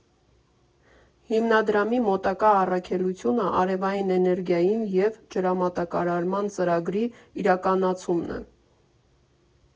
Հիմնադրամի մոտակա առաքելությունը արևային էներգիային և ջրամատակարարման ծրագրի իրականացումն է։